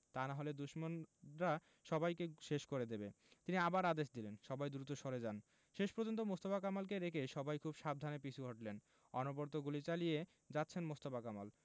তা না হলে দুশমনরা সবাইকে শেষ করে দেবে তিনি আবার আদেশ দিলেন সবাই দ্রুত সরে যান শেষ পর্যন্ত মোস্তফা কামালকে রেখে সবাই খুব সাবধানে পিছু হটলেন অনবরত গুলি চালিয়ে যাচ্ছেন মোস্তফা কামাল